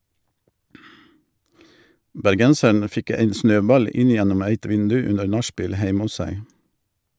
Bergenseren fikk ein snøball inn gjennom eit vindu under nachspiel heime hos seg.